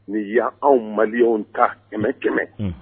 Ni yan anw maliya ta kɛmɛmɛ kɛmɛ